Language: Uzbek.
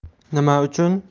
nima uchun